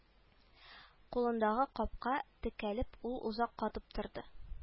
Кулындагы капка текәлеп ул озак катып торды